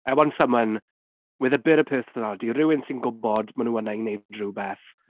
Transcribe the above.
I want someone, with a bit of personality. Rhywun sy’n gwybod maen nhw yna i wneud rhywbeth.